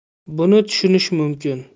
buni tushunish mumkin